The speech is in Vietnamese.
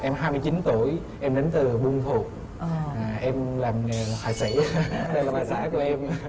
em hai mươi chín tuổi em đến từ buôn thuột em làm nghề họa sĩ đây là bà xã của em